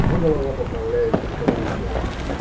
Но голова поправляется скорее тела.